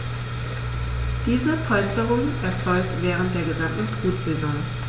Diese Polsterung erfolgt während der gesamten Brutsaison.